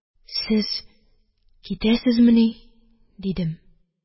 – сез китәсезмени? – дидем